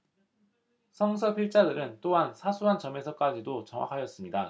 성서 필자들은 또한 사소한 점에서까지도 정확하였습니다